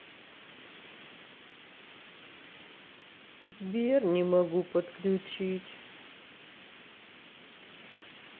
сбер не могу подключить